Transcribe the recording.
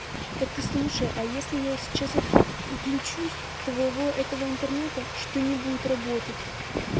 это слушай а если я сейчас отключусь твоего этого интернета что не будет работать